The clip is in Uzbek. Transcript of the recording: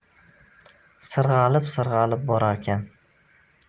sirg'alib sirg'alib borarkan